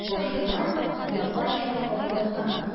Башына япанча каплаган...